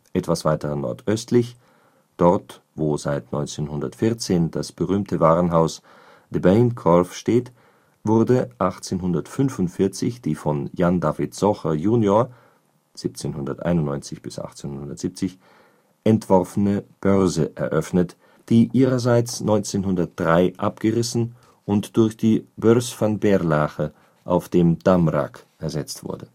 Etwas weiter nord-östlich, dort, wo seit 1914 das berühmte Warenhaus De Bijenkorf steht, wurde 1845 die von Jan David Zocher jr. (1791 – 1870) entworfene Börse eröffnet, die ihrerseits 1903 abgerissen und durch die Beurs van Berlage auf dem Damrak ersetzt wurde